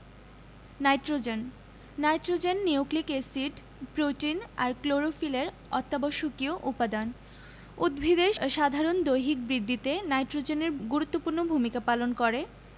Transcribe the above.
nitrogen nitrogen nucleic acid protein আর ক্লোরোফিলের অত্যাবশ্যকীয় উপাদান উদ্ভিদের সাধারণ দৈহিক বৃদ্ধিতে নাইট্রোজেনের গুরুত্বপূর্ণ ভূমিকা পালন করে